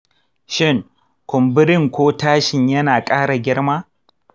shin kumburin ko tashin yana ƙara girma?